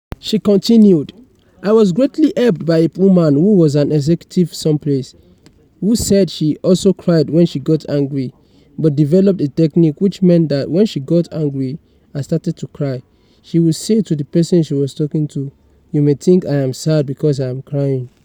She continued, "I was greatly helped by a woman who was an executive someplace, who said she also cried when she got angry, but developed a technique which meant that when she got angry and started to cry, she'd say to the person she was talking to, "You may think I am sad because I am crying.